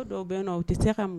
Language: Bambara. Ko dɔw bɛ yen nɔ u tɛ se ka